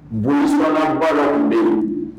Bu sɔnnaba bɛ